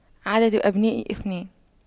عدد أبنائي اثنان